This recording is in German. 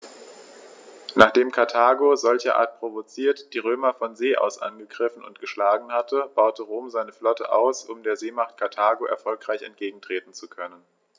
Nachdem Karthago, solcherart provoziert, die Römer von See aus angegriffen und geschlagen hatte, baute Rom seine Flotte aus, um der Seemacht Karthago erfolgreich entgegentreten zu können.